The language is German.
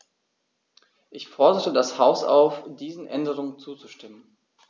Ich fordere das Haus auf, diesen Änderungen zuzustimmen.